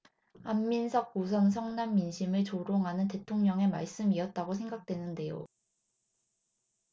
안민석 우선 성난 민심을 조롱하는 대통령의 말씀이었다고 생각 되는데요